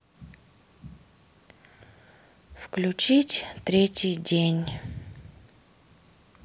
включить третий день